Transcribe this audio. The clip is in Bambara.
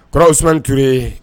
Kɔrɔlaw sur ye